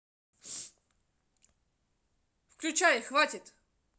выключай хватит